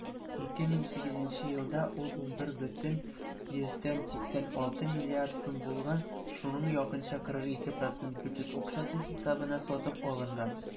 2008 елда ул 11,86 млрд. сум булган, шуның якынча 42 % бюджет акчасы хисабына сатып алынган.